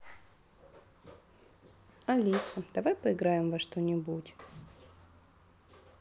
алиса давай поиграем во что нибудь